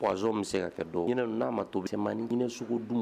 Waz min se ka kɛ dɔn hinɛ n'a ma to se maa niini sugu dun